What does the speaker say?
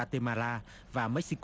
tê ma la và mếch xi